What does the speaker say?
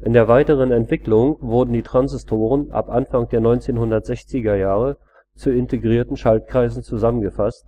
In der weiteren Entwicklung wurden die Transistoren ab Anfang der 1960er Jahre zu integrierten Schaltkreisen zusammengefasst,